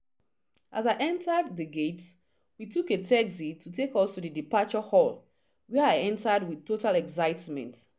As we entered the gates, we took a taxi to take us to the departure hall, where I entered with total excitement.